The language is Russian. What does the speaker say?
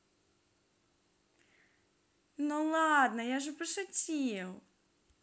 ну ладно я же пошутил